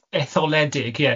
Etholedig ie.